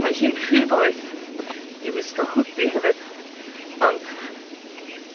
Mae hi'n rhy boeth i wisgo hwdi hefyd, ond